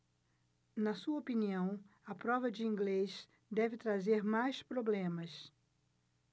na sua opinião a prova de inglês deve trazer mais problemas